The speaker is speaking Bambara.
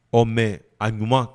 Ɔ mais a ɲuman